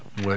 ouais